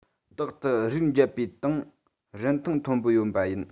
རྟག ཏུ རིགས འབྱེད པའི སྟེང རིན ཐང མཐོན པོ ཡོད པ ཡིན